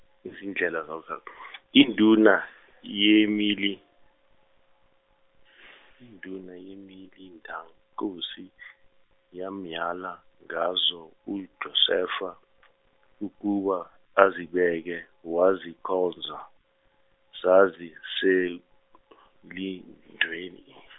induna yemili- induna yemilindankosi yamyala ngazo uJosefa ukuba azibheke wazikhonza zazisek- -lindweni.